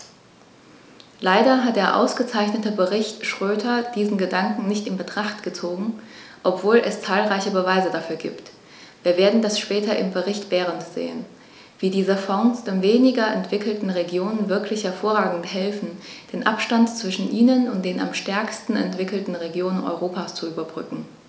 Leider hat der ausgezeichnete Bericht Schroedter diesen Gedanken nicht in Betracht gezogen, obwohl es zahlreiche Beweise dafür gibt - wir werden das später im Bericht Berend sehen -, wie diese Fonds den weniger entwickelten Regionen wirklich hervorragend helfen, den Abstand zwischen ihnen und den am stärksten entwickelten Regionen Europas zu überbrücken.